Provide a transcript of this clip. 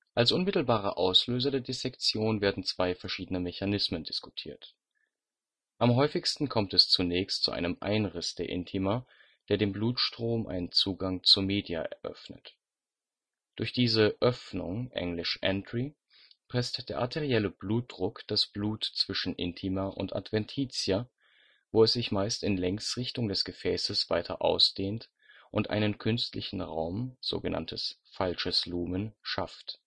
Als unmittelbare Auslöser der Dissektion werden zwei verschiedene Mechanismen diskutiert. Am häufigsten kommt es zunächst zu einem Einriss der Intima, der dem Blutstrom einen Zugang zur Media öffnet. Durch diese Öffnung (engl.: entry) presst der arterielle Blutdruck das Blut zwischen Intima und Adventitia, wo es sich meist in Längsrichtung des Gefäßes weiter ausdehnt und einen künstlichen Raum („ falsches Lumen “) schafft